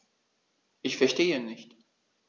Ich verstehe nicht.